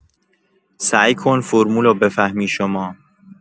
سعی کن فرمولو بفهمی شما